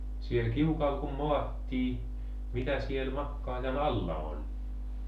siellä kiukaalla kun maattiin mitä siellä makaajan alla oli